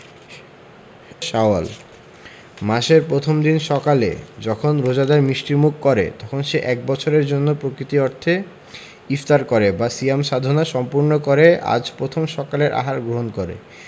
শাওয়াল মাসের প্রথম দিন সকালে যখন রোজাদার মিষ্টিমুখ করে তখন সে এক বছরের জন্য প্রকৃত অর্থে ইফতার করে বা সিয়াম সাধনা সম্পূর্ণ করে আজ প্রথম সকালের আহার গ্রহণ করে